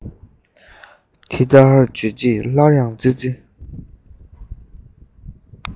འདི ལྟར བརྗོད རྗེས སླར ཡང ཙི ཙི